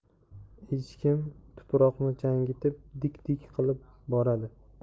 echkim tuproqni changitib dik dik qilib boradi